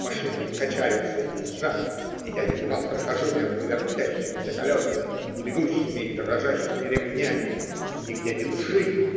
Машины качаются и визжат, и я едва прохожу между вертящимися колесами и бегущими и дрожащими ремнями нигде ни души.